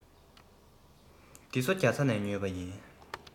འདི ཚོ ནི རྒྱ ཚ ནས ཉོས པ ཡིན